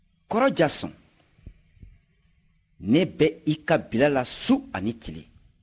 kɔrɔ jaason ne bɛ i ka bila la su ani tile